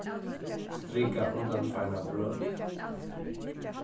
strika undanfarna brot